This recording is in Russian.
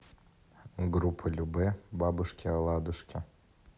группа любэ бабушки оладушки